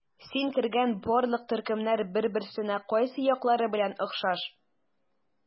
Син кергән барлык төркемнәр бер-берсенә кайсы яклары белән охшаш?